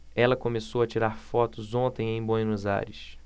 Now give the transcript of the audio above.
ela começou a tirar fotos ontem em buenos aires